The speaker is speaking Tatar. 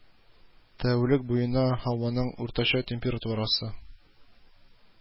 Тәүлек буена һаваның уртача температурасы